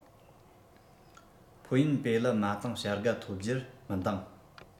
ཕུའུ ཡན པེ ལི མ ཏིང བྱ དགའ ཐོབ རྒྱུར མི འདང